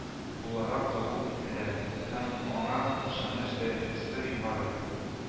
Буларак кабул ителә һәм аңа ышаныч дәрәҗәсе югары